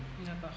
d' accord